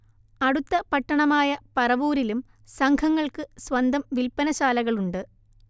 അടുത്ത പട്ടണമായ പറവൂരിലും സംഘങ്ങൾക്ക് സ്വന്തം വില്പനശാലകളുണ്ട്